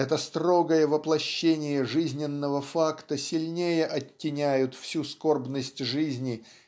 это строгое воплощение жизненного факта сильнее оттеняют всю скорбность жизни